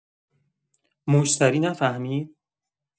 مشتری نفهمید؟